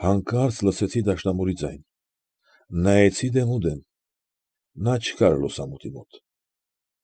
Հանկարծ լսեցի դաշնամուրի ձայն, նայեցի դեմուդեմ, նա չկար լուսամուտի մոտ։